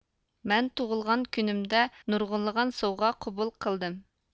مەن تۇغۇلغان كۈنۈمدە نۇرغۇنلىغان سوۋغا قوبۇل قىلدىم